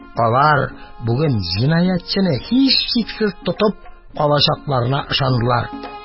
Алар бүген җинаятьчене һичшиксез тотып алачакларына ышандылар.